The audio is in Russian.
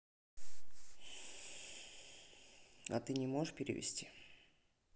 а ты не можешь перевести